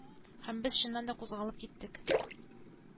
Һәм без чыннан да кузгалып киттек